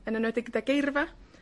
Yn enwedig gyda geirfa.